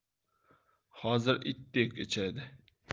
hozir itdek ichadi